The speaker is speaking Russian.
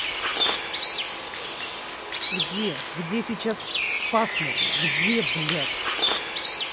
где где сейчас пасмурно где блядь